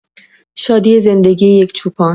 شادی زندگی یک چوپان